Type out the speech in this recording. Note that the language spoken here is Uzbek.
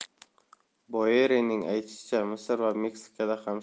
boyerining aytishicha misr va meksikada ham